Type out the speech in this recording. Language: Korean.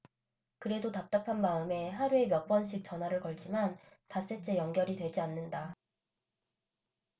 그래도 답답한 마음에 하루에 몇 번씩 전화를 걸지만 닷새째 연결이 되지 않는다